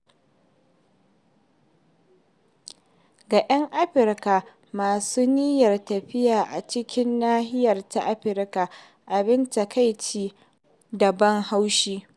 Ga 'yan Afrika masu niyyar tafiya a cikin nahiyar ta Afrika: Abin takaici da ban haushi